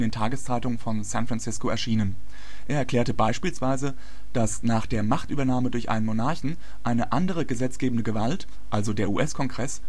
Tageszeitungen von San Francisco erschienen. Er erklärte beispielsweise, dass nach der Machtübernahme durch einen Monarchen eine andere gesetzgebende Gewalt, also der US-Kongress